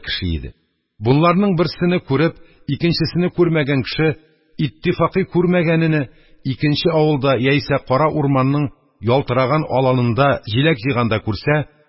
Бунларның берсене күреп, икенчесене күрмәгән кеше иттифакый1 күрмәгәнене, икенче авылда яисә кара урманның ялтыраган аланында җиләк җыйганда күрсә